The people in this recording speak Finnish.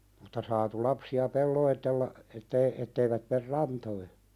mutta saatu lapsia pelotella että ei että eivät mene rantoihin